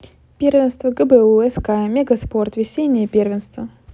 первенство гбу ск мегаспорт весеннее первенство